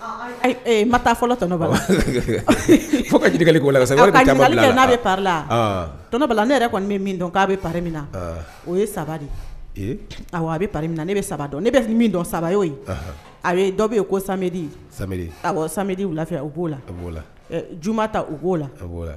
Ma taa fɔlɔ tɔnɔ baba fo ka jelikɛ''a bɛlabala ne yɛrɛ kɔni bɛ dɔn k'a bɛ min na o ye saba a a bɛ na ne bɛ saba dɔn ne dɔn sabao a dɔ bɛ ye ko sari sari wula fɛ u b'o j ta u b'o la